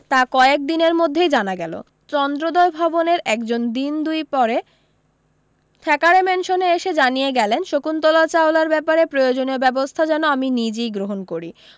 তা কয়েক দিনের মধ্যেই জানা গেলো চন্দ্রোদয় ভবনের একজন দিন দুই পরে থ্যাকারে ম্যানসনে এসে জানিয়ে গেলেন শকুন্তলা চাওলার ব্যাপারে প্রয়োজনীয় ব্যবস্থা যেন আমি নিজই গ্রহন করি